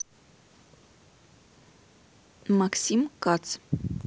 максим кац